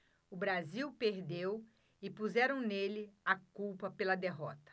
o brasil perdeu e puseram nele a culpa pela derrota